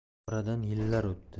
oradan yillar o'tdi